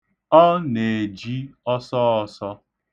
Ọ na-eji ọsọọsọ.